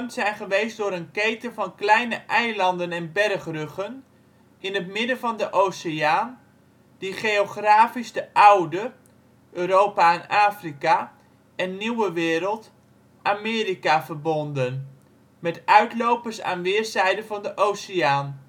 zijn geweest door een keten van kleine eilanden en bergruggen in het midden van de Oceaan, die geografisch de Oude (Europa en Afrika) en Nieuwe Wereld (Amerika) verbonden, met uitlopers aan weerszijden van de Oceaan